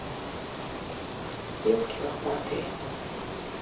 елки лохматые